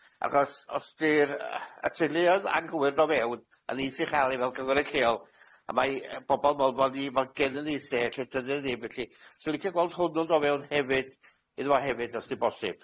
achos os 'di'r yy y teuluoedd anghywir do' fewn, a ni sy cha'l i fel cynghorydd lleol, a mae y bobol me'l bo' ni- fo' gennyn ni say, lle dydyn ni ddim felly, swn licio gweld hwnnw do' fewn hefyd, iddo fo hefyd os 'di'n bosib.